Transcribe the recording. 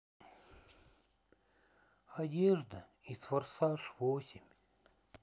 одежда из форсаж восемь